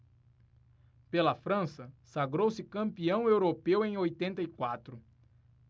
pela frança sagrou-se campeão europeu em oitenta e quatro